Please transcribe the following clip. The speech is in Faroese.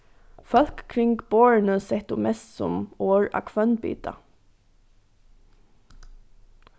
fólk kring borðini settu mestsum orð á hvønn bita